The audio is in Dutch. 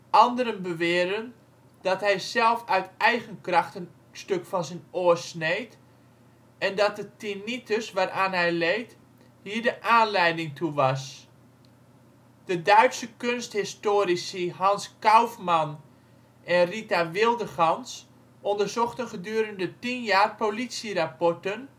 Anderen beweren dat hij zelf uit eigen kracht een stuk van zijn oor sneed en dat de tinnitus waaraan hij leed hier de aanleiding toe was. De Duitse kunsthistorici Hans Kaufmann en Rita Wildegans onderzochten gedurende tien jaar politierapporten